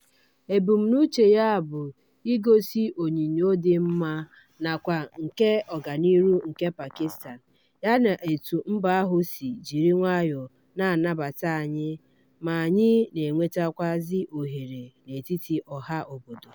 Ebumnuche ya bụ igosi onyinyo dị mma nakwa nke ọganihu nke Pakistan yana etu mba ahụ si jiri nwayọọ na-anabata anyị ma anyị na-enwetakwu ohere n'etiti ọha obodo.